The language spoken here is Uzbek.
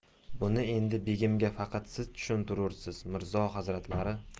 buni endi begimga faqat siz tushuntirursiz mirzo hazratlari